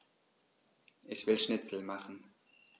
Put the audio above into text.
Ich will Schnitzel machen.